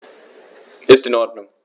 Ist in Ordnung.